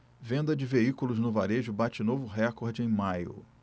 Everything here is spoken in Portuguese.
venda de veículos no varejo bate novo recorde em maio